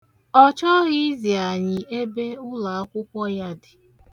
Ọ chọghị izi anyị ebe ụlọakwụkwọ ya dị.